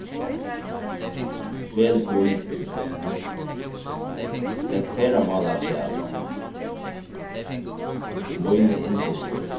vel bý legg ferðamál afturat míni yndisstøð